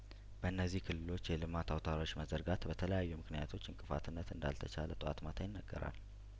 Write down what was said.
በእነዚህ ክልሎች የልማት አውታሮች መዘርጋት በተለያዩ ምክንያቶች እንቅፋትነት እንዳል ተቻለጧት ማታ ይነገራል